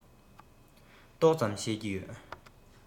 ཏོག ཙམ ཤེས ཀྱི ཡོད